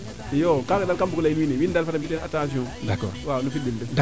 iyo kaga daal kam bugo leya wiin we daal fada mbiya teen attention